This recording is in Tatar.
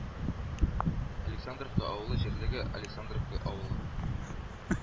Александровка авылы җирлеге Александровка авылы